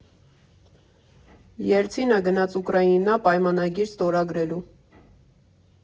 Ելցինը գնաց Ուկրաինա՝ պայմանագիր ստորագրելու։